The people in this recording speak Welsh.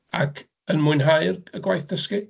Ac yn mwynhau'r y gwaith dysgu?